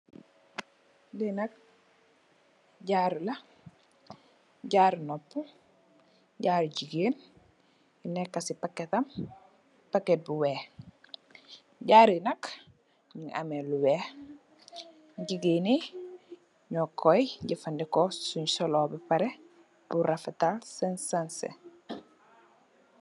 Li nak jaaru la jaaru noppa jaaru jigeen yu neka si packetam packet bu weex jaaru bi nak mongi ame lu weex jigeen nyo koi jefendeko sunn solo bapare pul refatal sen sancex.